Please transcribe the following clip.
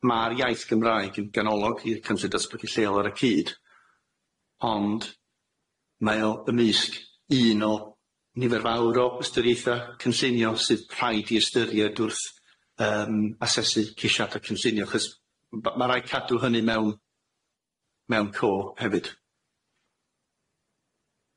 ma'r iaith Gymraeg yn ganolog i'r cynllun datblygu lleol ar y cyd ond mae o ymysg un o nifer fawr o ystyriaetha cynllunio sydd rhaid i ystyried wrth yym asesu ceisiada cynllunio achos b- ma' raid cadw hynny mewn mewn co hefyd.